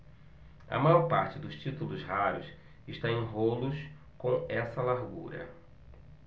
a maior parte dos títulos raros está em rolos com essa largura